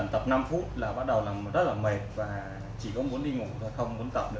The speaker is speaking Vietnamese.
chỉ cần tập phút là bắt đầu thấy rất mệt chỉ muốn đi ngủ không muốn tập nữa